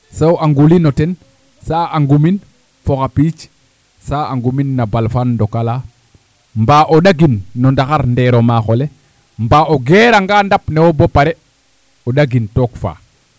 so a nqulin o ten saa a nqumin fo xa piic sa a nqumin na balfa ndok ala mbaa o ɗagin no ndaxar ndeer o maax ole mbaa o geerangaan ndap ne wo boo pare o ɗagin took faa